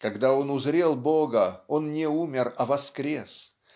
Когда он узрел Бога, он не умер, а воскрес